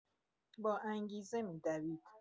باانگیزه می‌دوید.